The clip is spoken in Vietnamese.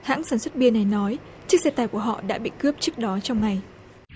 hãng sản xuất bia này nói chiếc xe tải của họ đã bị cướp trước đó trong ngày